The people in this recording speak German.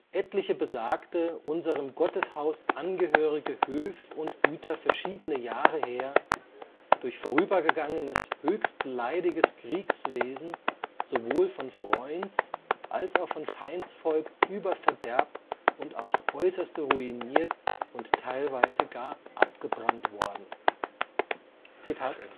etliche besagte, unserem Gotteshaus angehörige Höf und Güter verschiedene Jahre her, durch vorübergegangenes höchst leidiges Kriegswesen, sowohl von Freunds - als auch von Feindsvolk überverderbt und aufs äußerste ruiniert und teilweise gar abgebrannt worden. “Ab der